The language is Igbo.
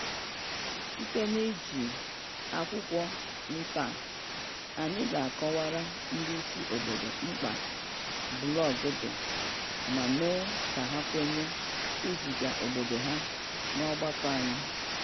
Site n'iji akwụkwọ nta a, anyị ga-akọwara ndị isi obodo mkpa blọọgụ dị ma mee ka ha kwenye iziga obodo ha n'ọgbako anyị.